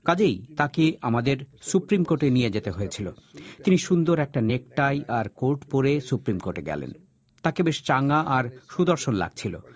কাজেই তাকে আমাদের সুপ্রিম কোর্টে নিয়ে যেতে হয়েছিল তিনি সুন্দর একটা নেকটাই আর কোট পড়ে সুপ্রিম কোর্টে গেলেন তাকে বেশ চাঙ্গা আর সুদর্শন লাগছিল